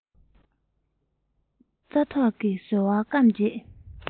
རྩྭ ཐོག གི ཟིལ བ བསྐམས རྗེས